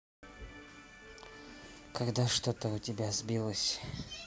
когда что то у тебя сбилось